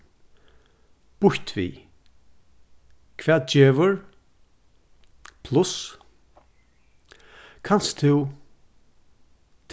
býtt við hvat gevur pluss kanst tú